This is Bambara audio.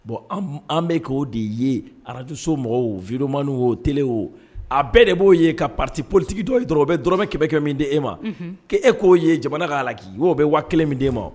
Bon an bɛ kɛ oo de ye arajso mɔgɔw vmani oo t o a bɛɛ de b'o ye ka pati politigi dɔ dɔrɔnɔrɔ d dɔrɔnbɛ kɛmɛkɛ min di e ma k' e k'o ye jamana'a la ki oo bɛ wa kelen min e ma